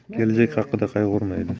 kelajak haqida qayg'urmaydi